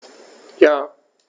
Ja.